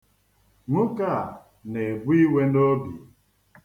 Nwoke a na-ebu ihe n'obi.